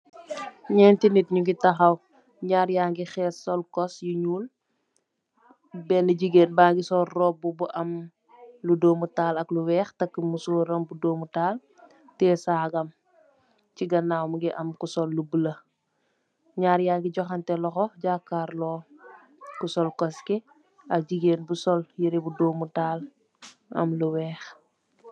Njenti nitt njungy takhaw, njaar yangy khess sol cos yu njull, benu gigain baangy sol rohbu bu am lu dormu taal ak lu wekh, taku musorram bu dormu taal, tiyeh sagam chi ganawam mungy am ku sol lu bleu, njaar yangy jokhanteh lokho jakarlor, ku sol cos guii ak gigain bu sol yehreh bu dormu taal am lu wekh.